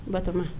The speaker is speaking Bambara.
Bat